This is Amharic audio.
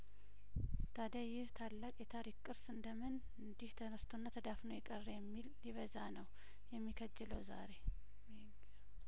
ታዲያ ይህ ታላቅ የታሪክ ቅርስ እንደምን እንዲህ ተረስቶና ተዳፍኖ የቀረ የሚል ሊበዛ ነው የሚከጀለው ዛሬ